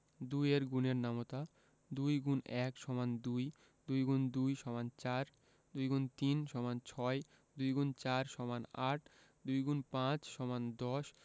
২ এর গুণের নামতা ২ X ১ = ২ ২ X ২ = ৪ ২ X ৩ = ৬ ২ X ৪ = ৮ ২ X ৫ = ১০